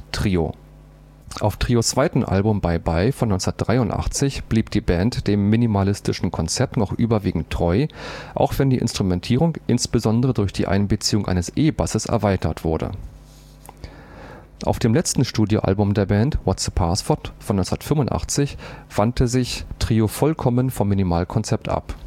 Auf Trios zweitem Album „ Bye Bye “(1983) blieb die Band dem minimalistischen Konzept noch überwiegend treu, auch wenn die Instrumentierung, insbesondere durch Einbeziehung eines E-Basses, erweitert wurde. Auf dem letzten Studio-Album der Band („ Whats The Password “, 1985) wandte sich Trio vollkommen vom Minimalkonzept ab